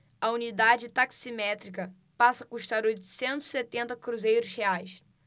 a unidade taximétrica passa a custar oitocentos e setenta cruzeiros reais